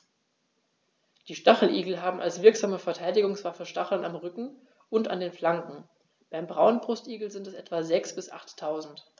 Die Stacheligel haben als wirksame Verteidigungswaffe Stacheln am Rücken und an den Flanken (beim Braunbrustigel sind es etwa sechs- bis achttausend).